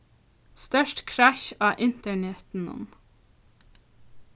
stórt krassj á internetinum